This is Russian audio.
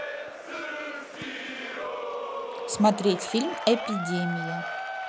смотреть фильм эпидемия